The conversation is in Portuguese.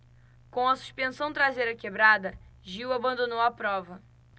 com a suspensão traseira quebrada gil abandonou a prova